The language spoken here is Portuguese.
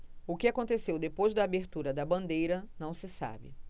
o que aconteceu depois da abertura da bandeira não se sabe